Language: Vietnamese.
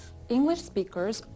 inh lích bi cỏi